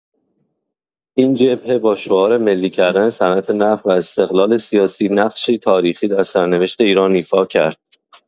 این جبهه با شعار ملی کردن صنعت‌نفت و استقلال سیاسی، نقشی تاریخی در سرنوشت ایران ایفا کرد.